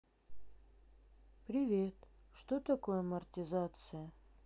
привет что такое амортизация